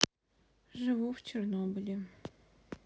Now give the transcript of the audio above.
живу в чернобыле